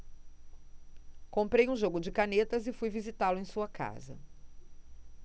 comprei um jogo de canetas e fui visitá-lo em sua casa